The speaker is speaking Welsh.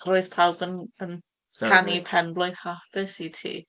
Roedd pawb yn yn... ...canu penblwydd hapus i ti.